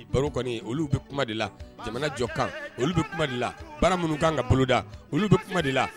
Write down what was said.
Baro kɔni olu bɛ kuma de la jamana jɔ kan olu bɛ kuma de la bara minnu kan ka boloda olu bɛ kuma de la